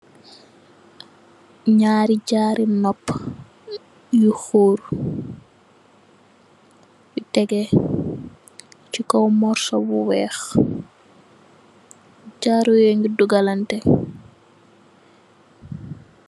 Njaari jaarou nopu yu huurr, yu tehgeh chi kaw morsoh bu wekh, jaarou weungh yu dugalanteh.